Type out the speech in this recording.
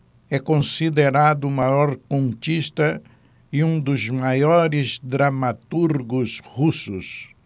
é considerado o maior contista e um dos maiores dramaturgos russos